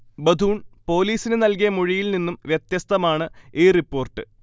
Bethune പൊലീസിനു നൽകിയ മൊഴിയിൽ നിന്നും വ്യത്യസ്തമാണ് ഈ റിപ്പോർട്ട്